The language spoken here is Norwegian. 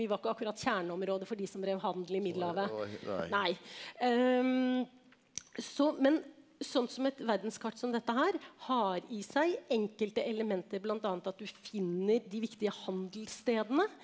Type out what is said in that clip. vi var ikke akkurat kjerneområdet for de som drev handel i Middelhavet nei så men sånn som et verdenskart som dette her har i seg enkelte elementer bl.a. at du finner de viktige handelsstedene.